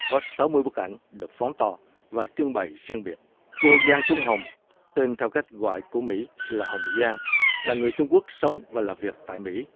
có sáu mươi bức ảnh được phóng to và trưng bày riêng biệt cô giang trung hồng tên theo cách gọi của mỹ là hồng giang là người trung quốc sống và làm việc tại mỹ